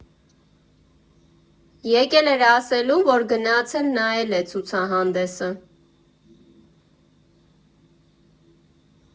Եկել էր ասելու, որ գնացել նայել է ցուցահանդեսը.